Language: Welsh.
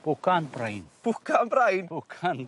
Bwcan brain. Bwcan brain! Bwcan...